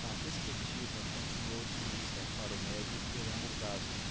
a perspectiva continua otimista para o médio e longo prazos